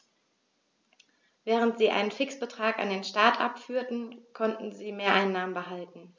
Während sie einen Fixbetrag an den Staat abführten, konnten sie Mehreinnahmen behalten.